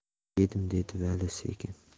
yedim dedi vali sekin